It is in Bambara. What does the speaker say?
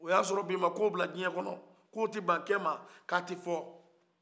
o y'a sɔrɔ bi ma ko bila dunuya kɔnɔ ko tɛ ban kɛ ma ka tɛ fɔ